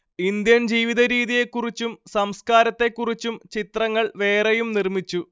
Indian ജീവിതരീതിയെക്കുറിച്ചും സംസ്കാരത്തെക്കുറിച്ചും ചിത്രങ്ങൾ വേറെയും നിർമിച്ചു